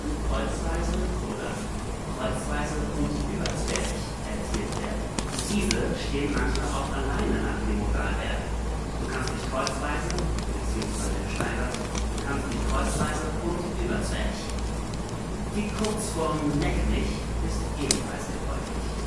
kreuzweise “oder „ kreuzweise und überzwerch “erzielt werden. Diese stehen manchmal auch – zwar elliptisch bis hin zur Ungrammatizität, aber gleichwohl jedem verständlich – alleine nach dem Modalverb: Du kannst mich kreuzweise, bzw. gesteigert kreuzweise und überzwerch. Die Kurzform „ Leck mich! “ist ebenfalls gebräuchlich